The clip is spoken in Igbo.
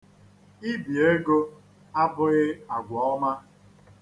Ibi ego abụghị agwa ọma.